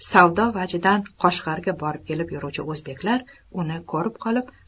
savdo vajidan koshg'arga borib kelib yuruvchi o'zbeklar uni ko'rib qolib